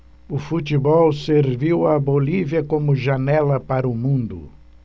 o futebol serviu à bolívia como janela para o mundo